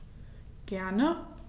Gerne.